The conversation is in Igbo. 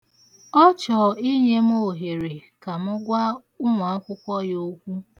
Ọ chọ inye m ohere ka m gwa ụmụ akwụkwọ ya okwu.